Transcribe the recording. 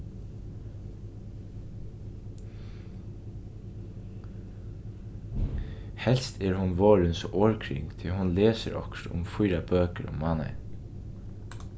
helst er hon vorðin so orðkring tí hon lesur okkurt um fýra bøkur um mánaðin